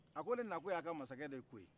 a ko ne na kun y'aw ka masakɛ de ko ye